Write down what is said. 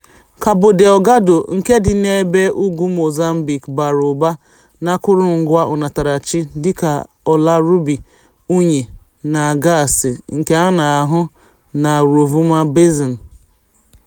Cabo Delgado, nke dị n'ebe ugwu Mozambique, bara ụba n'akụrụngwa ọnatarachi, dịka ọla rubi, unyi na gaasị, nke a na-ahụ na Rovuma Basin.